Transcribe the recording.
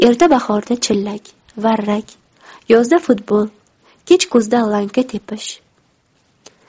erta bahorda chillak varrak yozda futbol kech kuzda lanka tepish